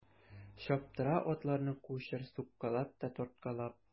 Чаптыра атларны кучер суккалап та тарткалап.